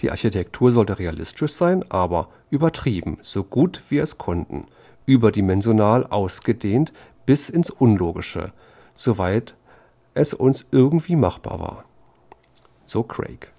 Architektur sollte realistisch sein, aber übertrieben, so gut wir es konnten, überdimensional ausgedehnt bis ins Unlogische, soweit es uns irgendwie machbar war, so Craig